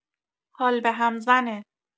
حال بهم زنه.